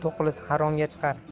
to'qlisi haromga chiqar